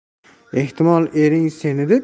ehtimol ering seni